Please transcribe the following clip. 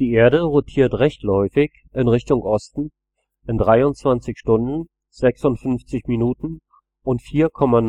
Erde rotiert rechtläufig – in Richtung Osten – in 23 Stunden, 56 Minuten und 4,09